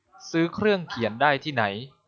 ซื้อเครื่องเขียนได้ที่ไหน